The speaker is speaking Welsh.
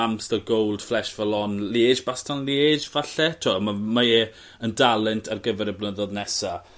Amster Gold Flèche Wallonne Liège–Bastogne–Liège falle t'o' ma' mae e yn dalent ar gyfer y blynyddodd nesa.